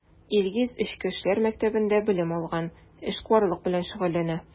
Илгиз Эчке эшләр мәктәбендә белем алган, эшкуарлык белән шөгыльләнә.